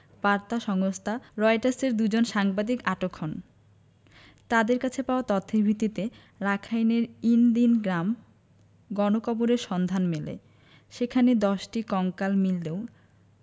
বার্তা সংস্থা রয়টার্সের দুজন সাংবাদিক আটক হন তাঁদের কাছে পাওয়া তথ্যের ভিত্তিতে রাখাইনের ইন দিন গ্রামে গণকবরের সন্ধান মেলে সেখানে ১০টি কঙ্কাল মিললেও